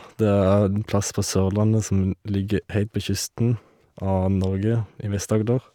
Det er en plass på Sørlandet som ligger heilt på kysten av Norge, i Vest-Agder.